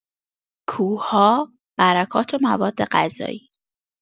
کوه‌ها، برکات و موادغذایی